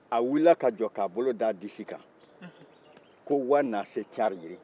a wulila k'a jɔ k'a bolo d'a disi kan ko wanase carin ye